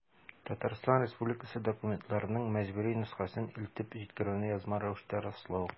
Татарстан Республикасы документларының мәҗбүри нөсхәсен илтеп җиткерүне язма рәвештә раслау.